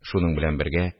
Шуның белән бергә